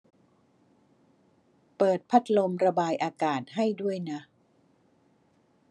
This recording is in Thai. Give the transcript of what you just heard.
เปิดพัดลมระบายอากาศให้ด้วยนะ